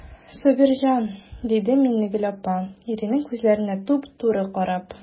Сабирҗан,– диде Миннегөл апа, иренең күзләренә туп-туры карап.